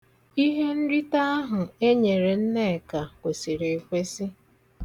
Ihenrite ahụ e nyere Nneka kwesiri ekwesi.